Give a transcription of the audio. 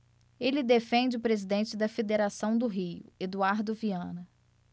ele defende o presidente da federação do rio eduardo viana